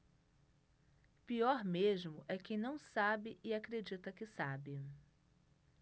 pior mesmo é quem não sabe e acredita que sabe